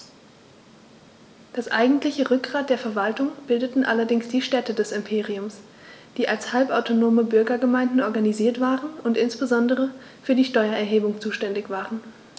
Das eigentliche Rückgrat der Verwaltung bildeten allerdings die Städte des Imperiums, die als halbautonome Bürgergemeinden organisiert waren und insbesondere für die Steuererhebung zuständig waren.